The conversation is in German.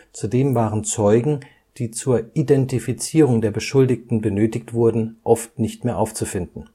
Zudem waren Zeugen, die zur Identifizierung der Beschuldigten benötigt wurden, oft nicht mehr aufzufinden